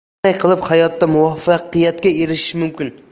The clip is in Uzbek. qanday qilib hayotda muvaffaqiyatga erishish mumkin